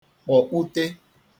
kpọkpùte